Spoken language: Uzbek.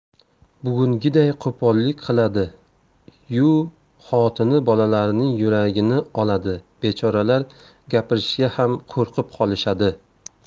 bugungiday qo'pollik qiladi yu xotini bolalarining yuragini oladi bechoralar gapirishga ham qo'rqib qolishadi